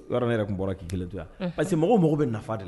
O yɔrɔ yɛrɛ tun bɔra k'i kelen to yan parce que mɔgɔ mago bɛ nafa de la